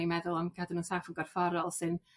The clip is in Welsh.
'dan ni'n meddwl am cadw nw yn saff yn gorfforol sy'n